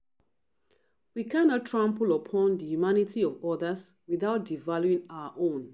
We cannot trample upon the humanity of others without devaluing our own.